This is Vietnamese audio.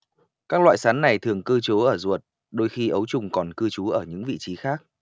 các loại sán này thường cư trú ở ruột đôi khi ấu trùng còn cư trú ở những vị trí khác